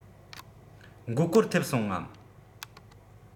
མགོ སྐོར ཐེབས སོང ངམ